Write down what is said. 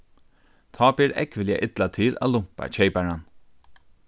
tá ber ógvuliga illa til at lumpa keyparan